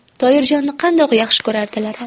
toyirjonni qandoq yaxshi ko'rardilar a